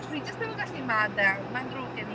'Swn i jyst ddim yn gallu maddau, mae'n ddrwg gen i.